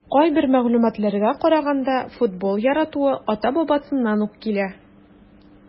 Кайбер мәгълүматларга караганда, футбол яратуы ата-бабасыннан ук килә.